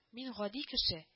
Мин — гади кеше